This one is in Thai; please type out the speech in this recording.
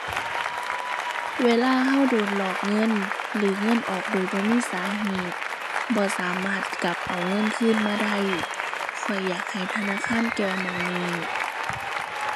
เวลาเราโดนหลอกเงินหรือเงินออกโดยบ่มีสาเหตุ บ่สามารถกลับเอาเงินคืนมาได้ ข้อยอยากให้ธนาคารแก้หม้องนี้